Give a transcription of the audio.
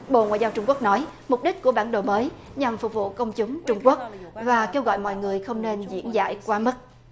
bộ ngoại giao trung quốc nói mục đích của bản đồ mới nhằm phục vụ công chúng trung quốc và kêu gọi mọi người không nên diễn giải quá mức